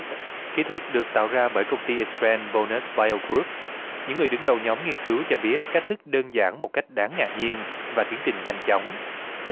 kỹ thuật được tạo ra bởi công ty ai sờ len bo nớt bai gờ rúp những người đứng đầu nhóm nghiên cứu cho biết cách thức đơn giản một cách đáng ngạc nhiên và tính trình nhanh chóng